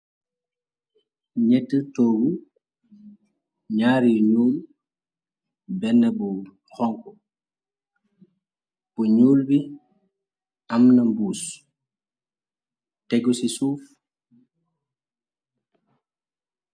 Nyetti toogu ñyaary nuom benn bu xonk bu ñuul bi amna mbuus tegu ci suuf.